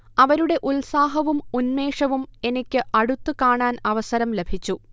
അവരുടെ ഉത്സാഹവും ഉൻേമഷവും എനിക്ക് അടുത്ത് കാണാൻ അവസരം ലഭിച്ചു